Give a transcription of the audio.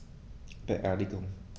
Beerdigung